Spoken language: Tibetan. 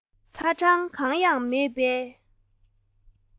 ཚ གྲང གང ཡང མེད པའི